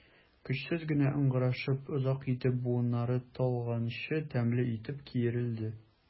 Көчсез генә ыңгырашты, озак итеп, буыннары талганчы тәмле итеп киерелде.